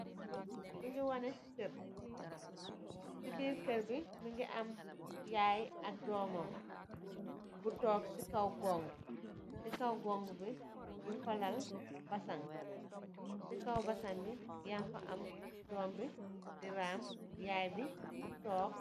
Photobi muge wanee Kerr se birr kerr be muge am yaye ak domam bu tonke se kaw gongu, se kaw gongu be nugfa lal basang , se kaw basang be yagfa am dome be de ram yaye be tonke,